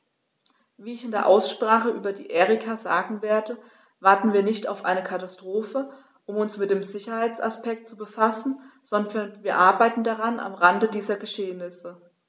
Wie ich in der Aussprache über die Erika sagen werde, warten wir nicht auf eine Katastrophe, um uns mit dem Sicherheitsaspekt zu befassen, sondern wir arbeiten daran am Rande dieser Geschehnisse.